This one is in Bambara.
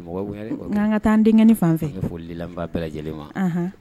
'an ka taa n denkɛ fan fɛ foli la bɛɛ lajɛlen ma